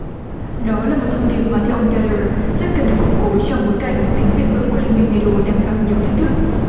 đó là một thông điệp mà theo ông thây đờ rất cần được củng cố trong bối cảnh tính bền vững của liên minh nây đồ đang gặp nhiều thách thức